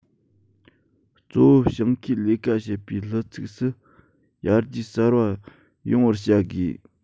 གཙོ བོ ཞིང ཁའི ལས ཀ བྱེད པའི ལྷུ ཚིགས སུ ཡར རྒྱས གསར པ ཡོང བར བྱ དགོས